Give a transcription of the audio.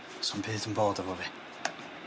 'S'am byd yn bod efo fi.